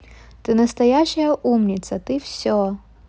ты настоящая умница ты все